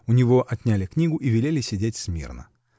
У него отняли книгу и велели сидеть смирно.